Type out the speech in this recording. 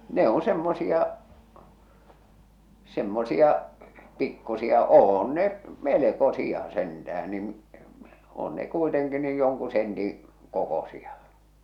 ne on semmoisia semmoisia pikkuisia on ne melkoisia sentään niin on ne kuitenkin niin jonkun sentin kokoisia